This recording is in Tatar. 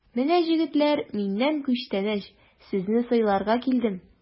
Менә, җегетләр, миннән күчтәнәч, сезне сыйларга килдем!